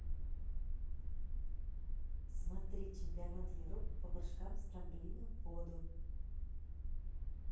смотреть чемпионат европы по прыжкам с трамплина в воду